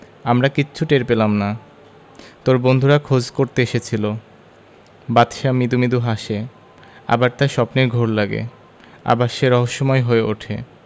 আমরা কিচ্ছু টের পেলাম না তোর বন্ধুরা খোঁজ করতে এসেছিলো বাদশা মৃদু মৃদু হাসে আবার তার স্বপ্নের ঘোর লাগে আবার সে রহস্যময় হয়ে উঠে